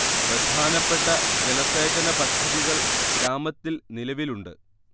പ്രധാനപ്പെട്ട ജലസേചന പദ്ധതികൾ ഗ്രാമത്തിൽ നിലവിൽ ഉണ്ട്